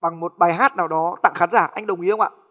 bằng một bài hát nào đó tặng khán giả anh đồng ý không ạ